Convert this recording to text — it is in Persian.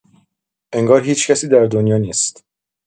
انگار هیچکسی در دنیا نیست!